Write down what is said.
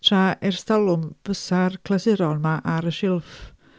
Tra ers talwn, fysa'r clasuron 'ma ar y silff.